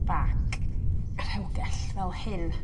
back y rhewgell fel hyn.